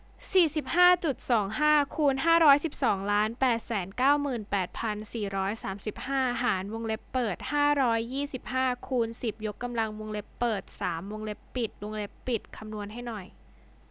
สี่สิบห้าจุดศูนย์สองห้าคูณห้าร้อยสิบสองล้านแปดแสนเก้าหมื่นแปดพันสี่ร้อยสามสิบห้าหารวงเล็บเปิดห้าร้อยยี่สิบห้าคูณสิบยกกำลังวงเล็บเปิดสามวงเล็บปิดวงเล็บปิดคำนวณให้หน่อย